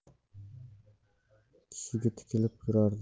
kishiga tikilib turardi